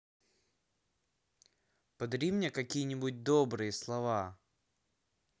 подари мне какие нибудь добрые слова